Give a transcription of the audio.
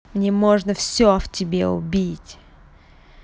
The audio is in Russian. мне можно все в тебе убить